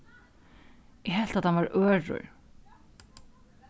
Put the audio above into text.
eg helt at hann var ørur